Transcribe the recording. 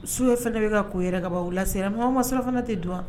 Su ye fana bɛ ka ko yɛrɛ ka bɔ la sera aw ma sufana tɛ don wa